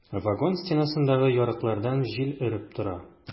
Вагон стенасындагы ярыклардан җил өреп тора.